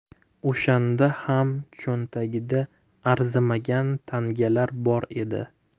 o'shanda ham cho'ntagida arzimagan tangalar bor edi